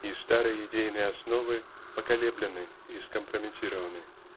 а старые идейные основы поколеблены и скомпрометированы.